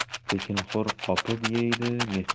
tekinxo'r qopib yeydi